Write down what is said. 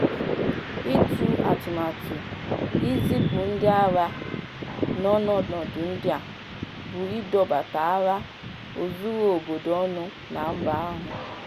Ịtu atụmatụ izipu ndị agha n'ọnọdụ ndị a, bụ ịdọbata agha ozuru obodo ọnụ na mba ahụ.